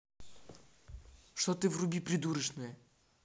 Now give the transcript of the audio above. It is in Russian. что ты вруби придурошное